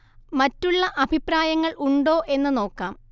മറ്റുള്ള അഭിപ്രായങ്ങൾ ഉണ്ടോ എന്ന് നോക്കാം